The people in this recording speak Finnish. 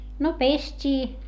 no pestiin